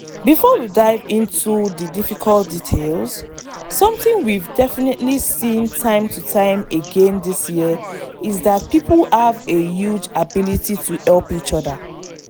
Before we dive into the difficult details, something we’ve definitely seen time and time again this year is that people have a huge ability to help each other.